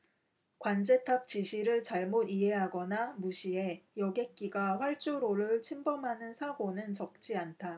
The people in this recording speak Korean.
관제탑 지시를 잘못 이해하거나 무시해 여객기가 활주로를 침범하는 사고는 적지 않다